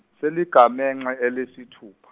seligamenxe elesithupha.